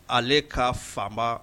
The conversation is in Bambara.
Ale'a fa